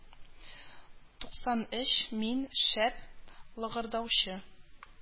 Туксан өч мин шәп лыгырдаучы